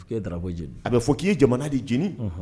K' ye dabɔ j a bɛ fɔ k' ye jamana de jeni